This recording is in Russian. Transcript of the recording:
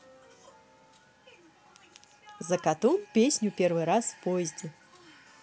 zakatoon песню первый раз в поезде